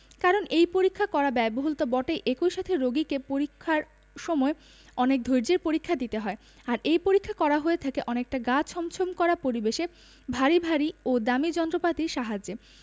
কারণ এই পরীক্ষা করা ব্যয়বহুল তো বটেই একই সাথে রোগীকে পরীক্ষার সময় অনেক ধৈর্য্যের পরীক্ষা দিতে হয় আর এই পরীক্ষা করা হয়ে থাকে অনেকটা গা ছমছম করা পরিবেশে ভারী ভারী ও দামি যন্ত্রপাতির সাহায্যে